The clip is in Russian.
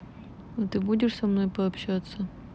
а ты будешь со мной пообщаться